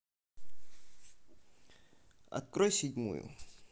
открой седьмую